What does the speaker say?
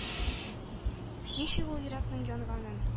Ничек ул йөрәкнең янганын